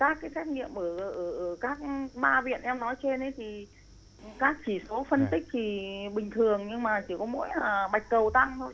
các cái xét nghiệm ở ở ở ở các mã viện em nói trên ấy thì các chỉ số phân tích thì bình thường nhưng mà chỉ có mỗi là bạch cầu tăng thôi